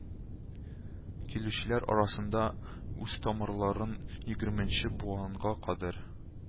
Килүчеләр арасында үз тамырларын егерменче буынга кадәр